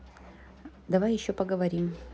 давай еще поговорим